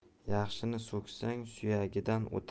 yaxshini so'ksang suyagidan o'tar